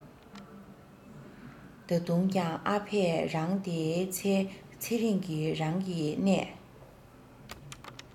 ད དུང ཀྱང ཨ ཕས རང དེའི ཚེ ཚེ རིང གི རང གི གནད